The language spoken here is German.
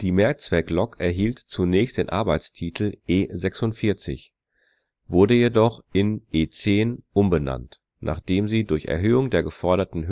Mehrzwecklok erhielt zunächst den Arbeitstitel E 46, wurde jedoch in E 10 umbenannt, nachdem sie durch Erhöhung der geforderten